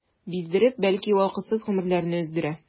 Биздереп, бәлки вакытсыз гомерләрне өздерә.